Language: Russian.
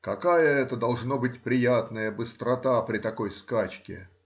Какая это, должно быть, приятная быстрота при такой скачке!